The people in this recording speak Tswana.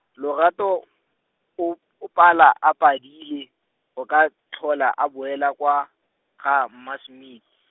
Lorato , o, o pala a padile, go ka tlhola a boela kwa, ga, mma- Smith.